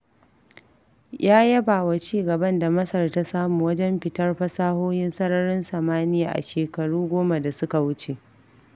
Ya yaba wa ci-gaban da Masar ta samu wajen fitar fasahohin sararin samaniya a shekaru goma da suka wuce.